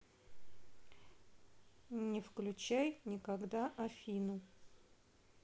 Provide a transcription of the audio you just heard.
не включай никогда афину